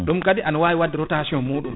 ɗum kadi aɗawi wadde rotation mawɗo